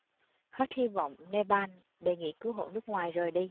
hết hi vọng nepal đề nghị cứu hộ nước ngoài rời đi